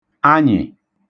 anyị̀